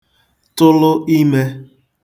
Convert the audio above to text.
tụlụ imē